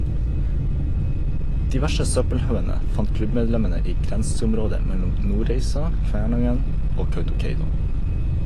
De verste søppelhaugene fant klubbmedlemmene i grenseområdet mellom Nordreisa, Kvænangen og Kautokeino.